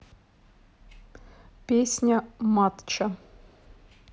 песня матча